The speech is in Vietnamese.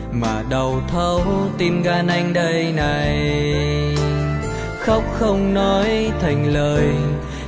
mà đau thấu tim gan anh đây này khóc không nói thành lời